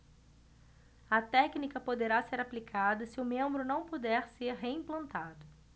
a técnica poderá ser aplicada se o membro não puder ser reimplantado